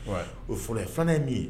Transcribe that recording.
O fɔlɔ ye fana ye min ye